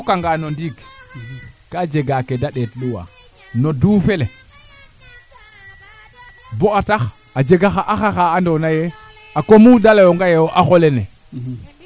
a faaxa teen lool ndax bo liroona wurmbano laaga mumeen keene mbaang ke ndaawino yo njeng ke accés no rokando le njeng mbaag ke ndaawin fasaaɓ fee aussi neen